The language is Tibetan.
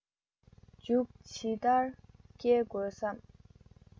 མཇུག ཇི ལྟར བསྐྱལ དགོས སམ